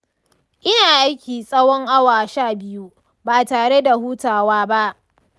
ina aiki tsawon awa sha biyu ba tare da hutawa ba .